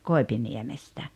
Koipiniemestä